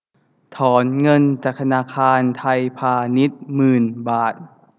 ถอนเงินจากธนาคารไทยพาณิชย์หมื่นบาท